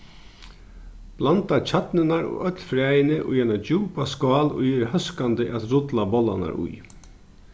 blanda kjarnurnar og øll fræini í eina djúpa skál ið er hóskandi at rulla bollarnar í